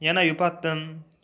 yana yupatdim